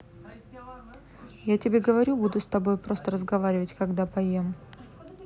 я тебе говорю буду с тобой просто разговаривать когда поем